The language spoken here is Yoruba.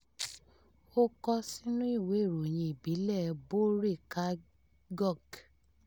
Ó kọ sínú ìwé ìròyìn ìbílẹ̀ẹ Bhorer Kagoj: